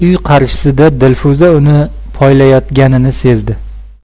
dilfuza uni poylayotganini sezdi